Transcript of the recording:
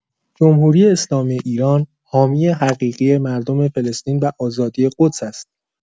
جمهوری‌اسلامی ایران حامی حقیقی مردم فلسطین و آزادی قدس است.